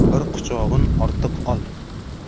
bir quchog'in ortiq ol